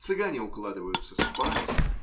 цыгане укладываются спать.